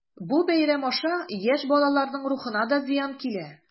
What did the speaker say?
Бу бәйрәм аша яшь балаларның рухына да зыян килә.